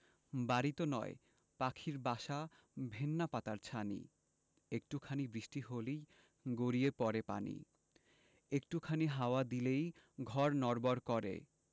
বাড়িতো নয় পাখির বাসা ভেন্না পাতার ছানি একটু খানি বৃষ্টি হলেই গড়িয়ে পড়ে পানি একটু খানি হাওয়া দিলেই ঘর নড়বড় করে